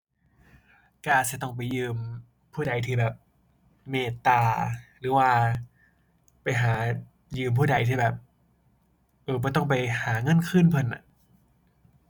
ก็อาจสิต้องไปยืมผู้ใดที่แบบเมตตา หรือว่าไปหายืมผู้ใดที่แบบ เอ้อ บ่ต้องไปหาเงินคืนเพิ่นอะ